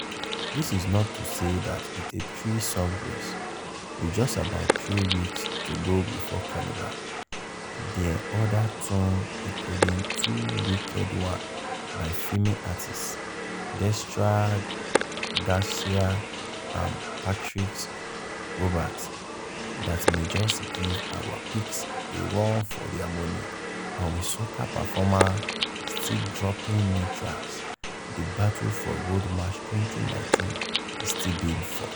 This is not to say that it's a three-song race. With just about three weeks to go before Carnival, there other tunes — including two wicked ones by female artists Destra Garcia and Patrice Roberts — that may just give our picks a run for their money, and with soca performers still dropping new tracks, the battle for Road March 2019 is still being fought.